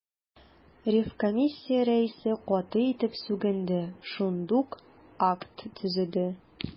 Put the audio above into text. Ревкомиссия рәисе каты итеп сүгенде, шундук акт төзеде.